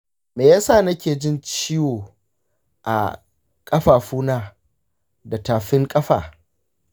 me yasa nake jin ciwo a ƙafafuna da tafin ƙafa?